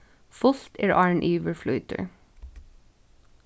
fult er áðrenn yvir flýtur